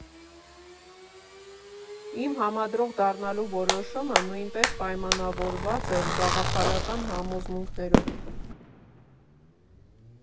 Իմ՝ համադրող դառնալու որոշումը նույնպես պայմանավորված էր գաղափարական համոզմունքներով։